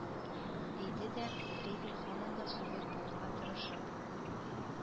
Диде де тревиль һаман да сабыр булырга тырышып